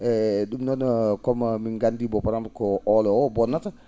eeyi ?um noon comme min ganndii bo par* ko oolo oo bonnata